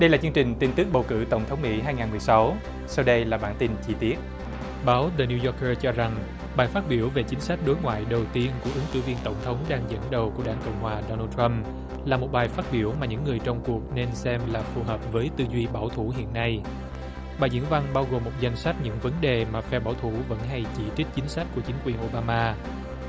đây là chương trình tin tức bầu cử tổng thống mỹ hai nghìn mười sáu sau đây là bản tin chi tiết báo đơ niu gioóc cơ cho rằng bài phát biểu về chính sách đối ngoại đầu tiên của ứng cử viên tổng thống đang dẫn đầu của đảng cộng hòa đô na trăm là một bài phát biểu mà những người trong cuộc nên xem là phù hợp với tư duy bảo thủ hiện nay bài diễn văn bao gồm một danh sách những vấn đề mà phe bảo thủ vẫn hay chỉ trích chính sách của chính quyền ô ba ma